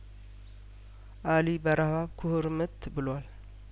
አሊ በረሀብ ኩርምት ብሏል